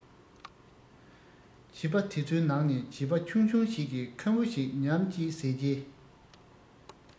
བྱིས པ དེ ཚོའི ནང ནས བྱིས པ ཆུང ཆུང ཞིག གིས ཁམ བུ ཞིམ ཉམས ཀྱིས བཟས རྗེས